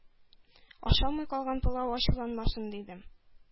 Ашалмый калган пылау ачуланмасын, дидем.